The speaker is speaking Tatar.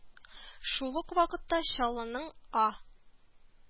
Шул ук вакытта Чаллының А